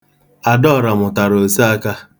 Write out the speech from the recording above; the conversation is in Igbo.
Adaọra mụtara oseaka.